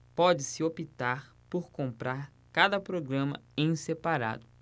pode-se optar por comprar cada programa em separado